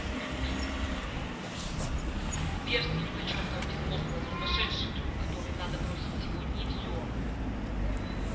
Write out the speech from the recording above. сбер салюта чертова безмозглая сумасшедший друг который надо бросить сегодня и все